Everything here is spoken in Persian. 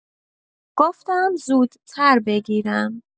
گفتم زودتر بگیرم.